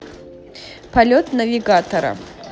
полет навигатора